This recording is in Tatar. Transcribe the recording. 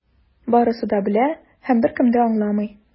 Барысы да белә - һәм беркем дә аңламый.